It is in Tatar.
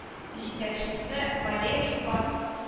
Җитәкчесе валерий пак